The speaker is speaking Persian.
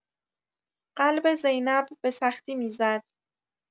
قلب زینب به‌سختی می‌زد.